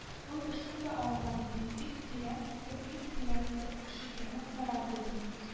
Ул берсен дә алмады, ди, тик тирән итеп, бик тирән итеп шикләнеп карады, ди